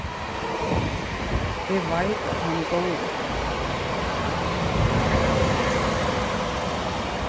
eg veit at hann er góður við teg